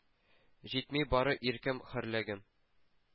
Җитми бары иркем-хөрлегем.